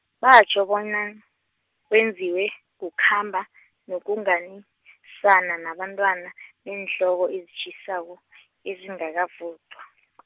batjho bonyana wenziwa kukhamba, nokunganisana nabantwana beenhloko ezitjhisako, ezingakavuthwa .